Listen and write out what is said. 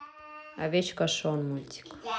овечка шон мультик